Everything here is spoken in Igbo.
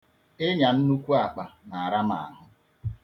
Ịnya nnukwu akpa na-ara m ahụ.